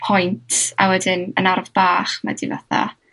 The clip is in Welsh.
point a wedyn yn araf bach ma' di fatha